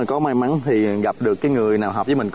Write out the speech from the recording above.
có may mắn thì gặp được cái người nào hợp với mình